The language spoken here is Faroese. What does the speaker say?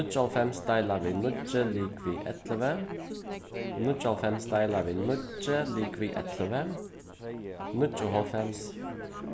níggjuoghálvfems deila við níggju ligvið ellivu níggjuoghálvfems deila við níggju ligvið ellivu níggjuoghálvfems